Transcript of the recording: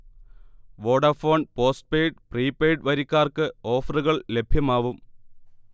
Vodafone postpaid, prepaid വരിക്കാർക്ക് ഓഫറുകൾ ലഭ്യമാവും